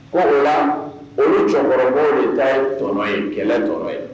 Ko ola olu ni cɛkɔrɔba nin ta ye tɔɔrɔ ye kɛlɛ tɔɔrɔ ye